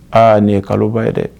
Aa nin ye kaloba ye dɛ.